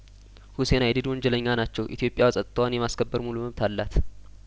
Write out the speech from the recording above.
ሁሴን አይዲድ ወንጀለኛ ናቸው ኢትዮጵያ ጸጥታዋን የማስከበር መብት አላት